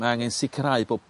ma' angen sicrhau bo'